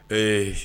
Ee